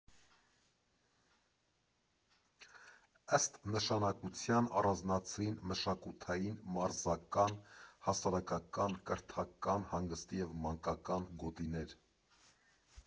Ըստ նշանակության առանձնացրին մշակութային, մարզական, հասարակական, կրթական, հանգստի և մանկական գոտիներ։